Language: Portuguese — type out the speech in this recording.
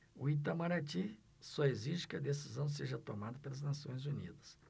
o itamaraty só exige que a decisão seja tomada pelas nações unidas